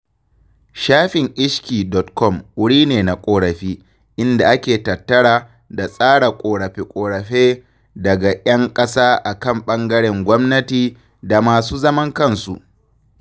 Shafin Ishki.com wuri ne na ƙorafi, inda ake tattara da tsara ƙorafe-ƙorafe daga 'yan ƙasa a kan ɓangaren gwamnati da masu zaman kansu.